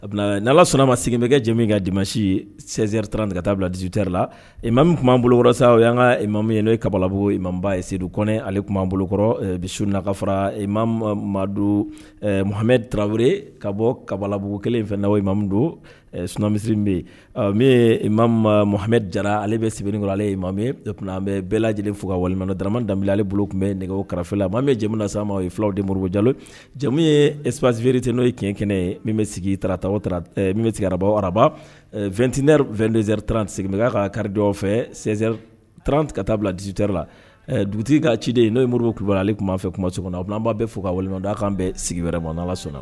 A ni sɔnna ma sigilen bɛkɛja ka dimisi sri tan de kata bila dusututeri la ma min tun'an bolo sa o y' ka mami n' ye kabalabuba ye sedu kɔnɛ ale tun b'an bolokɔrɔ biuna ka fɔra ma madu muha taraweleri ka bɔ kabalabugu kelen in fɛn na don sunmisiriri bɛ yen min ma ma mahami jarara ale bɛ sɛbɛnni kɔnɔ ale tuma an bɛ bɛɛ lajɛlen fo ka walima dman danbe ale bolo tun bɛ nɛgɛ karafela ma bɛ jamana na sa ye fula denmusomo jalo jamu ye espsierite n'o ye tiɲɛ kɛnɛ ye min bɛ sigita min bɛ tigɛ arabɔ araba2tinɛ2dzeri t sigimɛ'a ka kari fɛ sɛri ka taa bila dusute la dugutigi ka ciden n'o muruuru ku kulubali ale tun b'a fɛ so kɔnɔ' b' bɛ fo ka walima d'a kan bɛ wɛrɛ bɔ n sɔnna